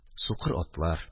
Сукыр атлар.